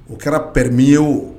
O kɛra pɛreme ye o